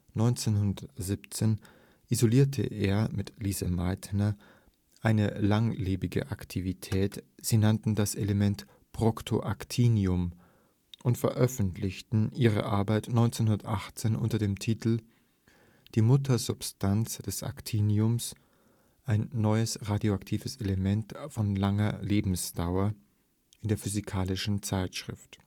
1917 isolierte er mit Lise Meitner eine langlebige Aktivität, sie nannten das Element ' Proto-Actinium ' und veröffentlichten ihre Arbeit 1918 unter dem Titel Die Muttersubstanz des Actiniums; ein neues radioaktives Element von langer Lebensdauer in der Physikalischen Zeitschrift